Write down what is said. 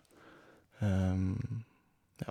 Ja.